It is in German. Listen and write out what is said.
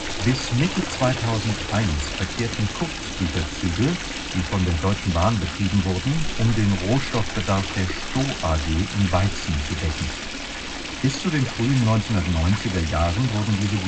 Bis Mitte 2001 verkehrten Kurzgüterzüge, die von der Deutschen Bahn betrieben wurden, um den Rohstoffbedarf der Sto AG in Weizen zu decken. Bis zu den frühen 1990er Jahren wurden diese